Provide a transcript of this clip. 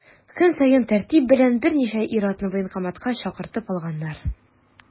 Көн саен тәртип белән берничә ир-атны военкоматка чакыртып алганнар.